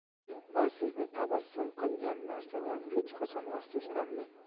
va sizni tabassum qilgan narsadan hech qachon afsuslanmang